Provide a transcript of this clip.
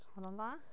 'Di hwnna'n dda?